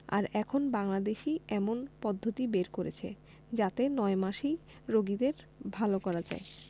আর এখন বাংলাদেশই এমন পদ্ধতি বের করেছে যাতে ৯ মাসেই রোগীদের ভালো করা যায়